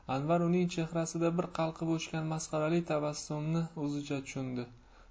anvar uning chehrasida bir qalqib o'chgan masxarali tabassumni o'zicha tushundi